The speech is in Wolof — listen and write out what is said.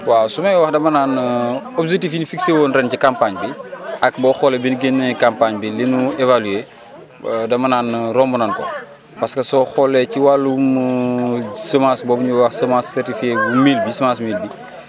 waaw su may wax dama naan objectif yi ñu fixé woon ren ci campagne bi ak boo xoolee bi ñu génnee campagne bi li nu évalué da ma naan romb nan ko parce que soo xoolee ci wàllum semence boobu ñuy wax semence certifié bu mil bi sens mil bi